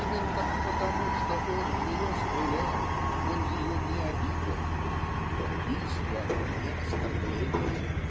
Именно потому, что он в нее стрелял, он ее не обидел. Убийство не оскорбление.